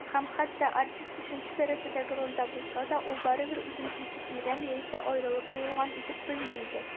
Һәм хәтта артист өченче дәрәҗәдәге рольләрдә булса да, ул барыбыр үзен кимсетелгән яисә аерылып куелган итеп тоймый иде.